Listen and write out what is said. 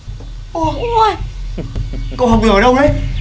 ô cậu học được ở đâu đấy